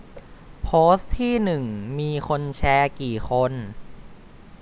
โพสต์ที่หนึ่งมีคนแชร์กี่คน